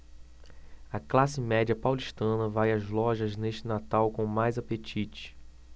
a classe média paulistana vai às lojas neste natal com mais apetite